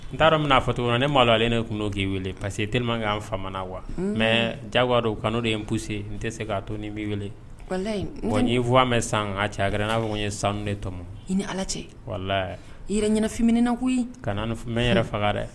N taara min'a fɔ tuguni na ne'a la ale ne tun'o k'i weele pa parce que te'an fa wa mɛ jawadɔ ka n' de ye pse n tɛ se k'a to b'i weele n f' an mɛn san cɛ a n'a fɔ n ye san de tɔmɔ i ni ala cɛ i yɛrɛ ɲɛnafin koyi ka n yɛrɛ faga dɛ